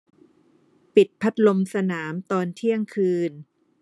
ปิดพัดลมสนามตอนเที่ยงคืน